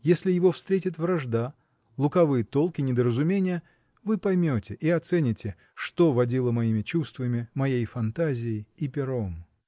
Если его встретит вражда, лукавые толки, недоразумения — вы поймете и оцените, что водило моими чувствами, моей фантазией и пером!